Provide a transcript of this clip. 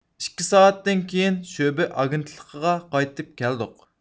ئىككى سائەتتىن كېيىن شۆبە ئاگېنتلىقىغا قايتىپ كەلدۇق